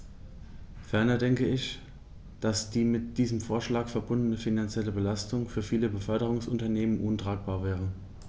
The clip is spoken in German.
Ferner denke ich, dass die mit diesem Vorschlag verbundene finanzielle Belastung für viele Beförderungsunternehmen untragbar wäre.